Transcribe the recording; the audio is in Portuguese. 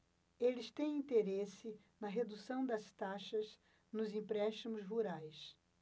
eles têm interesse na redução das taxas nos empréstimos rurais